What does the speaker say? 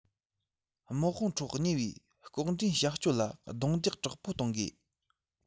དམག དཔུང ཁྲོད གནས པའི ལྐོག འདྲེན བྱ སྤྱོད ལ རྡུང རྡེག དྲག པོ གཏོང དགོས